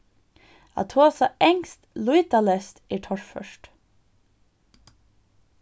at tosa enskt lýtaleyst er torført